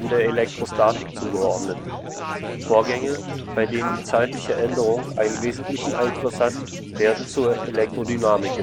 Elektrostatik zugeordnet. Vorgänge, bei denen die zeitliche Änderung einen wesentlichen Einfluss hat, werden zur Elektrodynamik gezählt